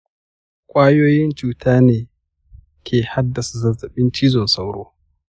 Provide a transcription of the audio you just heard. kwayoyin cuta ne ke haddasa zazzabin cizon sauro.